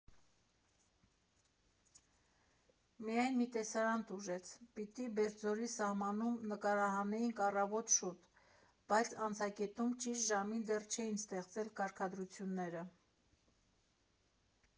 Միայն մի տեսարան տուժեց, պիտի Բերձորի սահմանում նկարահանեինք առավոտ շուտ, բայց անցակետում ճիշտ ժամին դեռ չէին ստացել կարգադրությունները։